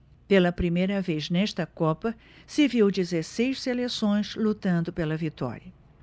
pela primeira vez nesta copa se viu dezesseis seleções lutando pela vitória